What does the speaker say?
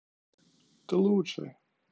ты лучшая